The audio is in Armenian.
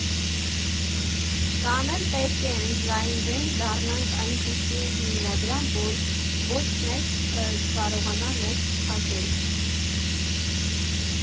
Կա՛մ էլ պետք է ընդլայնվենք, դառնանք այնպիսի հիմնադրամ, որ ոչ մեկ չկարողանա մեզ փակել.